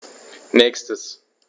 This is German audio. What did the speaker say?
Nächstes.